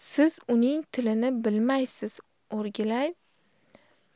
siz uning tilini bilmaysiz o'rgilay